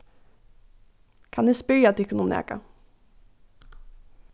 kann eg spyrja tykkum um nakað